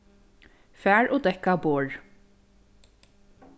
far og dekka borð